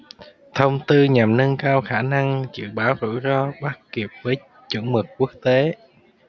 thông tư nhằm nâng cao khả năng dự báo rủi ro bắt kịp với chuẩn mực quốc tế